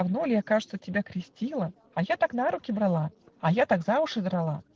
Давно ль Я, кажется, тебя крестила? А я так на руки брала! А я так за уши драла!